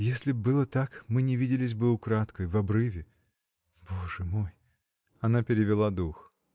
Если б было так, мы не виделись бы украдкой, в обрыве. Боже мой! Она перевела дух.